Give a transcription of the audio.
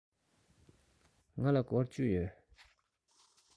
ང ལ སྒོར བཅུ ཡོད